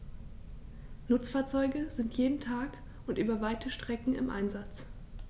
Nutzfahrzeuge sind jeden Tag und über weite Strecken im Einsatz.